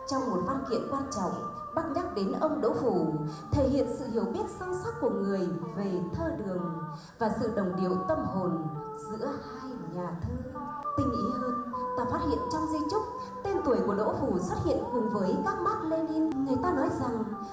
trong một văn kiện quan trọng bắc nhắc đến ông đỗ phủ thể hiện sự hiểu biết sâu sắc của người về thơ đường và sự đồng điệu tâm hồn giữa hai nhà thơ tinh ý hơn ta phát hiện trong di chúc tên tuổi của đỗ phủ xuất hiện cùng với các mác lê nin người ta nói rằng